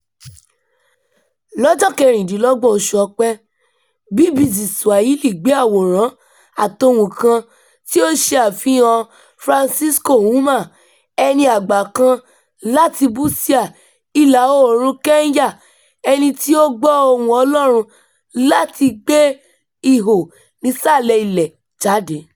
Lọ́jọ́ 26 oṣù Ọ̀pẹ, BBC Swahili gbé àwòrán-àtohùn kan tí ó ṣe àfihàn-an Francisco Ouma, ẹni àgbà kan láti Busia, ìlà-oòrùnun Kenya, ẹni tí ó gbọ́ ohùn Ọlọ́run láti gbẹ́ ihò nísàlẹ̀ ilẹ̀ jáde.